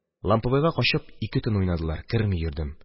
Ламповойга качып, ике төн уйнадылар, керми йөрдем